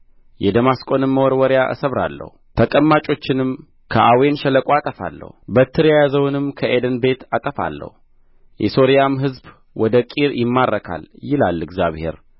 የደማስቆንም መወርወሪያ እሰብራለሁ ተቀማጮችንም ከአዌን ሸለቆ አጠፋለሁ በትር የያዘውንም ከዔደን ቤት አጠፋለሁ የሶርያም ሕዝብ ወደ ቂር ይማረካል ይላል እግዚአብሔር